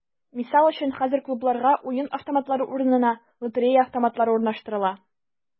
Мисал өчен, хәзер клубларга уен автоматлары урынына “лотерея автоматлары” урнаштырыла.